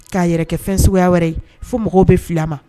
K'a yɛrɛ kɛ fɛn suguya wɛrɛ ye, fo mɔgɔw bɛ fila a ma.